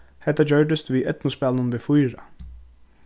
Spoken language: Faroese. hetta gjørdist við eydnuspælinum v4